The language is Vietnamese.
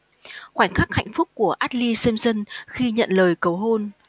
khoảnh khắc hạnh phúc của ashlee simpson khi nhận lời cầu hôn